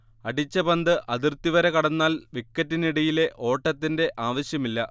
അടിച്ച പന്ത് അതിർത്തിവര കടന്നാൽ വിക്കറ്റിനിടയിലെ ഓട്ടത്തിന്റെ ആവശ്യമില്ല